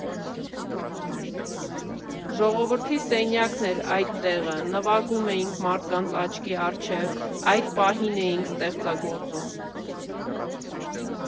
Ժողովրդի սենյակն էր այդ տեղը, նվագում էինք մարդկանց աչքի առջև՝ այդ պահին էինք ստեղծագործում։